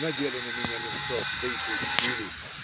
Надели на меня мешок, да и пустили.